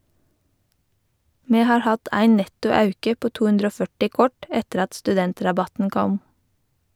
Me har hatt ein netto auke på tohundreogførti kort etter at studentrabatten kom.